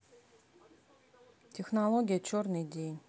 технология черный день